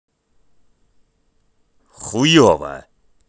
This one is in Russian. хуево